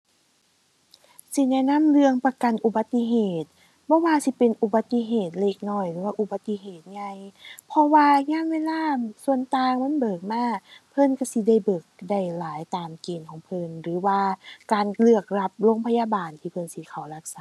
สิแนะนำเรื่องประกันอุบัติเหตุ บ่ว่าสิเป็นอุบัติเหตุเล็กน้อย หรือว่าอุบัติเหตุใหญ่ เพราะว่ายามเวลาส่วนต่างมันเบิกมา เพิ่นก็สิได้เบิกได้หลายตามเกณฑ์ของเพิ่น หรือว่าการเลือกรับโรงพยาบาลที่เพิ่นสิเข้ารักษา